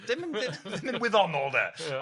Dim yn dy- ddim wyddonol 'de? Ia.